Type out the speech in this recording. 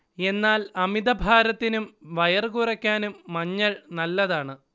എന്നാൽ അമിതഭാരത്തിനും വയർ കുറക്കാനും മഞ്ഞൾ നല്ലതാണ്